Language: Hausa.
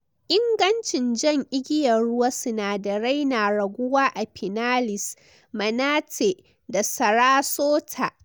Ingancin Jan Igiyar Ruwa Sinadarai na raguwa a Pinellas, Manatee da Sarasota